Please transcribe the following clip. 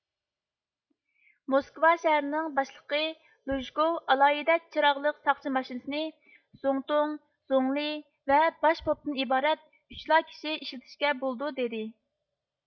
موسكۋا شەھىرىنىڭ باشلىقى لۇژكوۋ ئالاھىدە چىراغلىق ساقچى ماشىنىسىنى زۇڭتۇڭ زۇڭلى ۋە باش پوپتىن ئىبارەت ئۈچلا كىشى ئىشلىتىشكە بولىدۇ دېدى